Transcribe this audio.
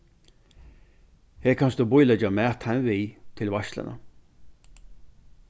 her kanst tú bíleggja mat heim við til veitsluna